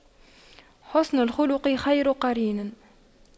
حُسْنُ الخلق خير قرين